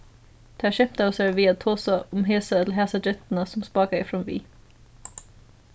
teir skemtaðu sær við at tosa um hesa ella hasa gentuna sum spákaði framvið